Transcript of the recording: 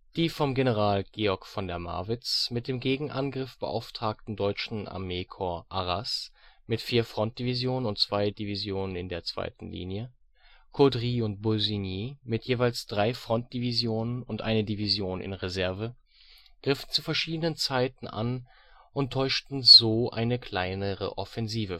Die vom General Georg von der Marwitz mit dem Gegenangriff beauftragten deutschen Armeekorps " Arras ", mit vier Front-Divisionen und zwei Divisionen in der Zweiten Linie, " Caudry " und " Busigny ", mit jeweils drei Front-Divisionen und eine Division in Reserve griffen zu verschiedenen Zeiten an und täuschten so eine kleinere Offensive